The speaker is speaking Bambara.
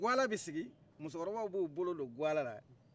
guala bɛ sigi musokɔrɔbaw b'u bolo do gualala